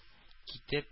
Китеп